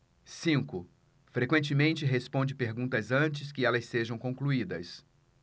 cinco frequentemente responde perguntas antes que elas sejam concluídas